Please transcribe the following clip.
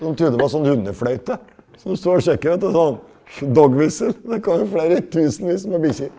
dem trudde det var sånn hundefløyte, så dem sto og sjekka ut og sånn hunder, det kom flere tusenvis med bikkjer.